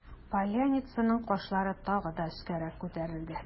Поляницаның кашлары тагы да өскәрәк күтәрелде.